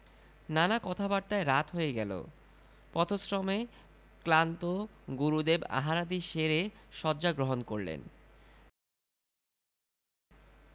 নানা কথাবার্তায় রাত হয়ে গেল পথশ্রমে ক্লান্ত গুরুদেব আহারাদি সেরে শয্যা গ্রহণ করলেন